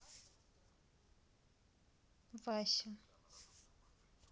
вася